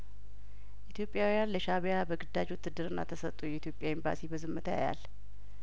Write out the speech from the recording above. ኢትዮጵያዊያን ለሻእቢያ በግዳጅ ውትድርና ተሰጡ የኢትዮጵያ ኤምባሲ በዝምታ ያያል